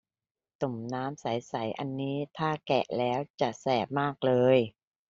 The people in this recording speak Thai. ตุ่มน้ำใสใสอันนี้ถ้าแกะแล้วจะแสบมากเลย